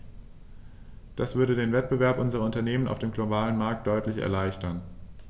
Das würde den Wettbewerb unserer Unternehmen auf dem globalen Markt deutlich erleichtern.